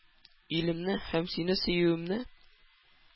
Илемне һәм сине сөюемне